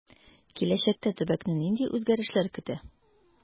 Киләчәктә төбәкне нинди үзгәрешләр көтә?